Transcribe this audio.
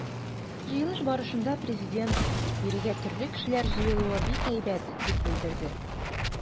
Җыелыш башында Президент: “Бирегә төрле кешеләр җыелуы бик әйбәт", - дип белдерде.